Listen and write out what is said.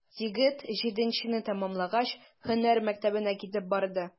Егет, җиденчене тәмамлагач, һөнәр мәктәбенә китеп барды.